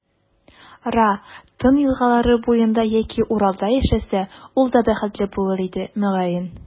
Ра, Тын елгалары буенда яки Уралда яшәсә, ул да бәхетле булыр иде, мөгаен.